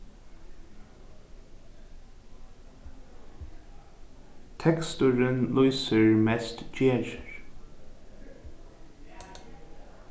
teksturin lýsir mest gerðir